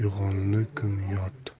yog'inli kun yot